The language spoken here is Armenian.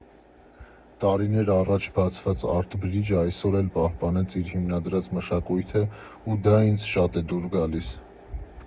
Տարիներ առաջ բացված Արտ Բրիջը այսօր էլ պահպանեց իր հիմնադրած մշակույթը, ու դա ինձ շատ է դուր գալիս։